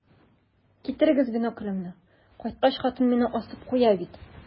Китерегез биноклемне, кайткач, хатын мине асып куя бит.